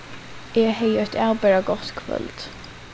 eg hevði eitt avbera gott kvøld